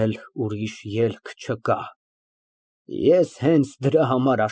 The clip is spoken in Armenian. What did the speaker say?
ՄԱՐԳԱՐԻՏ ֊ Ի՞նչ կարող է ասել մի հանցավոր, որին ներկայացնում են իր հանցանքի լուսանկարը։